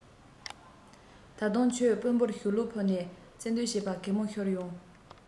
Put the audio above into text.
ད དུང ཁྱོད དཔོན པོར ཞུ ལོག ཕུལ ནས རྩོད འདོད བྱེད པ གད མོ ཤོར ཡོང